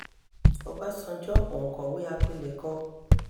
Ọbásanjọ́, òǹkọ̀wé àpilẹ̀kọ?